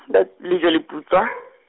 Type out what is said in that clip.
, le Lejwe leputswa.